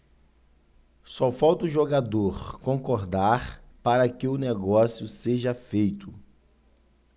só falta o jogador concordar para que o negócio seja feito